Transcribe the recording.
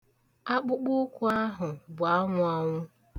Akpụkpọ ụkwụ ahụ bụ anwụanwụ.